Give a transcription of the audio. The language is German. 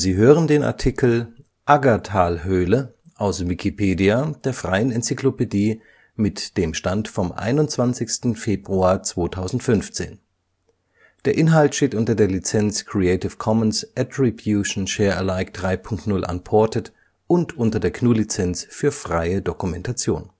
hören den Artikel Aggertalhöhle, aus Wikipedia, der freien Enzyklopädie. Mit dem Stand vom Der Inhalt steht unter der Lizenz Creative Commons Attribution Share Alike 3 Punkt 0 Unported und unter der GNU Lizenz für freie Dokumentation